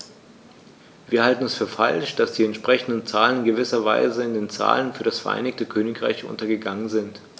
Wir halten es für falsch, dass die entsprechenden Zahlen in gewisser Weise in den Zahlen für das Vereinigte Königreich untergegangen sind.